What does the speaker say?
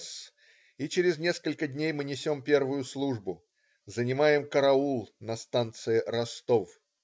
С. , и через несколько дней мы несем первую службу - занимаем караул на станции Ростов.